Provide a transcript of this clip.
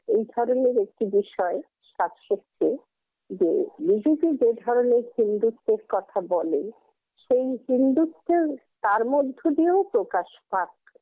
এই ধরনের একটি বিষয় কাজ করছে যে বিজেপি যে ধরনের হিন্দুত্বের কথা বলেন সেই হিন্দুত্বের তার মধ্য দিয়ে প্রকাশ পাচ্ছে